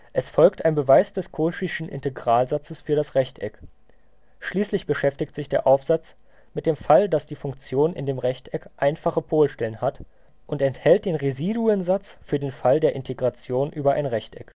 Es folgt ein Beweis des cauchyschen Integralsatzes für das Rechteck. Schließlich beschäftigt sich der Aufsatz mit dem Fall, dass die Funktion in dem Rechteck einfache Polstellen hat, und enthält den Residuensatz für den Fall der Integration über ein Rechteck